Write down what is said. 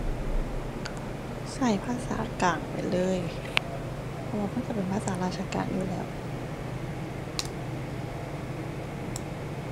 ใช้ภาษากลางไปเลย เพราะว่ามันใช้เป็นภาษาราชการอยู่แล้ว